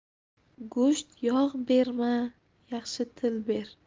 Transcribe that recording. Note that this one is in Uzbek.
go'sht yog' berma yaxshi til ber